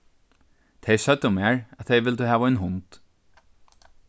tey søgdu mær at tey vildu hava ein hund